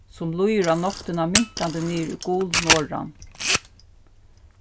sum líður á náttina minkandi niður í gul norðan